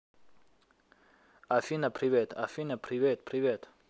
афина привет афина привет привет